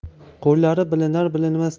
qo'llari bilinar bilinmas